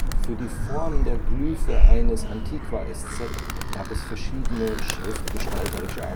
Für die Form der Glyphe eines Antiqua-Eszett gab es verschiedene schriftgestalterische